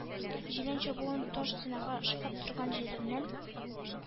Җилән чабуын таш стенага ышкып торган җиреннән